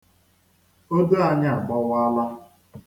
Odo anyị agbawaala.